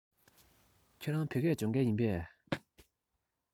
ཁྱེད རང བོད སྐད སྦྱོང མཁན ཡིན པས